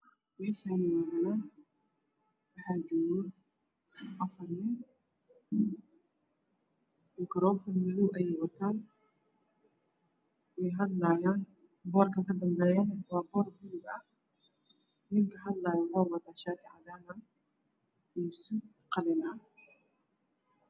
Meeshaani waa banaan waxaa jooga afar nin karoofan madow ayey wataan way hadlaayaan boorka ka danbeeyana waa boor buluug ah ninka hadlaayo wuxuu wataa shaati cadaan ah iyo suud qalin ah